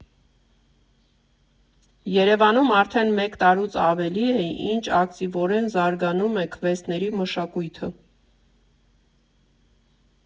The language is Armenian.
Երևանում արդեն մեկ տարուց ավելի է, ինչ ակտիվորեն զարգանում է քվեսթերի մշակույթը։